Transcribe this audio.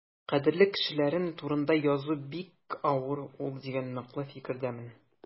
Кадерле кешеләрең турында язу бик авыр ул дигән ныклы фикердәмен.